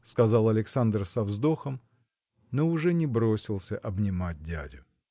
– сказал Александр со вздохом, но уж не бросился обнимать дядю.